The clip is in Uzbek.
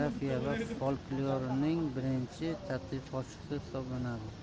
etnografiyasi va folklorining birinchi tadqiqotchisi hisoblanadi